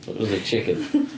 It was a chicken.